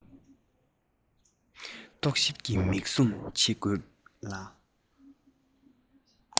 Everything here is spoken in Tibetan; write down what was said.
རྟོག ཞིབ ཀྱི མིག ཟུང ཕྱེ དགོས ལ